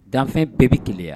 Danfɛn bɛɛ bɛ gɛlɛya